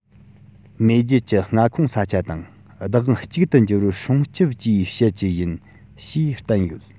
མེས རྒྱལ གྱི མངའ ཁོངས ས ཆ དང བདག དབང གཅིག ཏུ འགྱུར བར སྲུང སྐྱོབ བཅས བྱེད ཀྱི ཡིན ཞེས བསྟན ཡོད